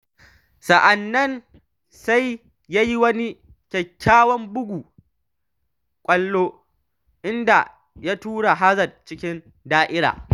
Sa’an nan sai ya yi wani kyakkyawan buga ƙwallon, inda ya tura Hazard cikin da'ira.